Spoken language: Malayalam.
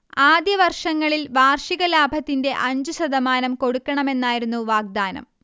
ആദ്യവർഷങ്ങളിൽ വാർഷിക ലാഭത്തിന്റെ അഞ്ചു ശതമാനം കൊടുക്കാമെന്നായിരുന്നു വാഗ്ദാനം